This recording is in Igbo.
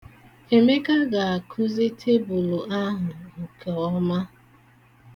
Emeka ga-akụzi tebulu ahụ nke ọma.